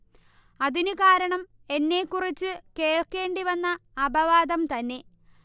അതിനു കാരണം എന്നെക്കുറിച്ചു കേൾക്കേണ്ടി വന്ന അപവാദം തന്നെ